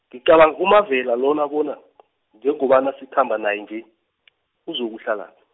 ngicabanga uMavela lona bona , njengobana sikhamba naye nje , uzokuhlalaphi.